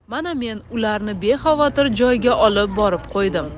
mana men ularni bexavotir joyga olib borib qo'ydim